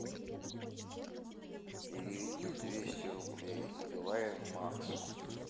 переведи двести рублей на билайн максу